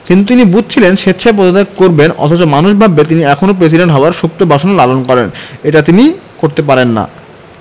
কিন্তু তিনি বুঝছিলেন স্বেচ্ছায় পদত্যাগ করবেন অথচ মানুষ ভাববে তিনি এখনো প্রেসিডেন্ট হওয়ার সুপ্ত বাসনা লালন করেন এটা তিনি করতে পারেন না